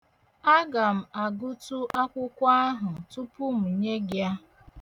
Aga m agụtụ akwụkwọ ahụ tupu m enye gị ya.